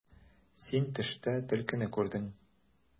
Син төштә төлкене күрдең.